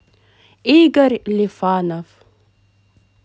игорь лифанов